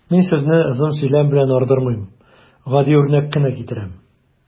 Мин сезне озын сөйләм белән ардырмыйм, гади үрнәк кенә китерәм.